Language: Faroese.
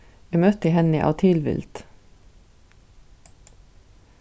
eg møtti henni av tilvild